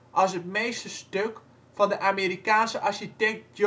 als het meesterstuk van de Amerikaanse architect